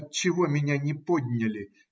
Отчего меня не подняли?